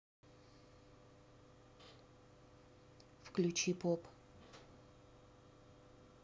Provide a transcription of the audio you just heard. включи поп